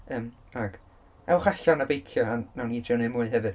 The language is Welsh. Yym, ac ewch allan a beicio a wnawn ni drio wneud mwy hefyd.